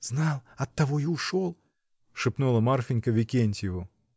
— Знал, оттого и ушел, — шепнула Марфинька Викентьеву.